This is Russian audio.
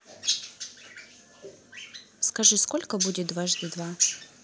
скажи сколько будет дважды два